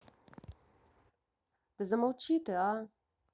да замолчи ты а